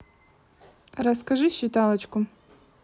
расскажи считалочку